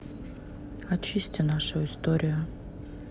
очисти нашу историю